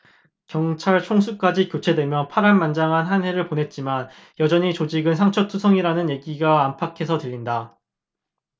경찰 총수까지 교체되며 파란만장한 한 해를 보냈지만 여전히 조직은 상처 투성이라는 얘기가 안팎에서 들린다